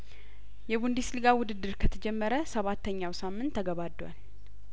የቡንደስሊጋው ውድድር ከተጀመረ ሰባተኛው ሳምንት ተገባዷል